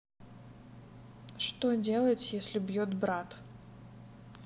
что делать если бьет брат